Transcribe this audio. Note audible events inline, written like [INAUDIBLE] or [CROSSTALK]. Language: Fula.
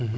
[HESITATION] [HESITATION]